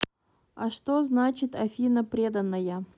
а что значит афина преданая